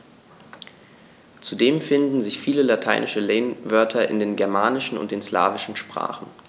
Zudem finden sich viele lateinische Lehnwörter in den germanischen und den slawischen Sprachen.